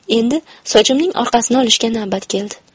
endi sochimning orqasini olishga navbat keldi